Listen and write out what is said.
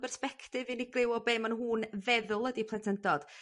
bersbectif unigryw o bo' ma' nhw'n feddwl ydi plentyndod.